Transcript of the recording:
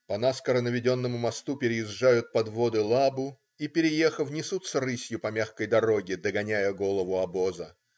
" По наскоро наведенному мосту переезжают подводы Лабу и, переехав, несутся рысью по мягкой дороге, догоняя голову обоза.